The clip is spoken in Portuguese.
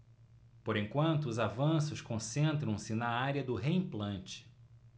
por enquanto os avanços concentram-se na área do reimplante